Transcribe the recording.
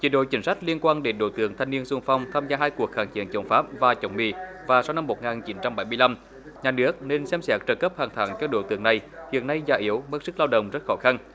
chế độ chính sách liên quan đến đối tượng thanh niên xung phong tham gia hai cuộc kháng chiến chống pháp và chống mỹ và sau năm một ngàn chín trăm bảy mươi lăm nhà nước nên xem xét trợ cấp hằng tháng các đối tượng này hiện nay già yếu mất sức lao động rất khó khăn